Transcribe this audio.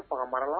O mara la